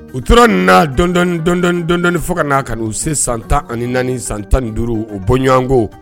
U tora nin na dɔn- dɔndɔni fo ka n naa ka u se san tan ani naani san tan ni duuru u bɔɲɔgɔnwanko